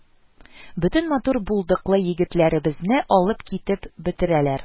Бөтен матур, булдыклы егетләребезне алып китеп бетерәләр